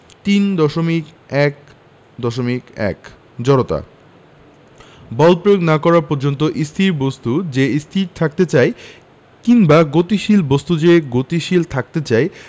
3.1.1 জড়তা বল প্রয়োগ না করা পর্যন্ত স্থির বস্তু যে স্থির থাকতে চায় কিংবা গতিশীল বস্তু যে গতিশীল থাকতে চায়